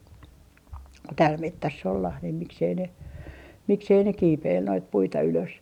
täällä metsässä ollaan niin miksi ei ne miksi ei ne kiipeillyt noita puita ylös